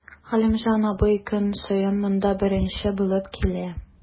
Галимҗан абый көн саен монда беренче булып килә.